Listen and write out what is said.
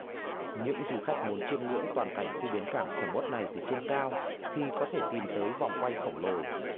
những du khách muốn chiêm ngưỡng toàn cảnh khu bến cảng sầm uất này từ trên cao thì có thể tìm tới vòng quay khổng lồ